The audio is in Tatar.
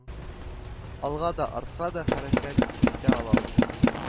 Алга да, артка да хәрәкәт итә алалар